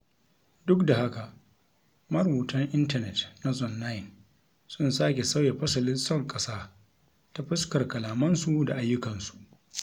Duk da haka, marubutan intanet na Zone9 sun sake sauya fasalin son ƙasa ta fuskar kalamansu da ayyukansu.